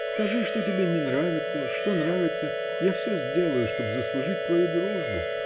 Скажи, что тебе не нравится, что нравится, — я всё сделаю, чтоб заслужить твою дружбу.